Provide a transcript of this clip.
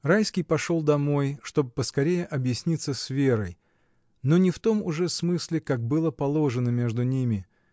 Райский пошел домой, чтоб поскорее объясниться с Верой, но не в том уже смысле, как было положено между ними.